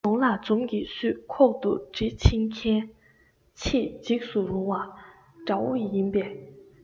གདོང ལ འཛུམ གྱིས བསུས ཁོག ཏུ གྲི འཆིང མཁན ཆེས འཇིགས སུ རུང བ དགྲ བོ ཡིན པས